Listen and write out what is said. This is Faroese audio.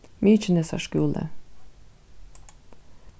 mykinesar skúli